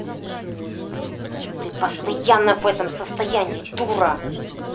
ты постоянно в этом состоянии дура